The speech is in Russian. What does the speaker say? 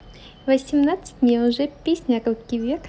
восемнадцать мне уже песня руки вверх